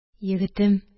Егетем